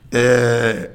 Ɛɛ